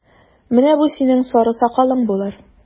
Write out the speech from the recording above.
Менә бу синең сары сакалың булыр!